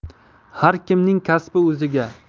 har kimning kasbi o'ziga